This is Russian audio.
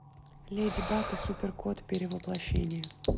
леди баг и супер кот перевоплощение